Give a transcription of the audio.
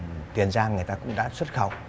tiền giang người ta cũng đã xuất khẩu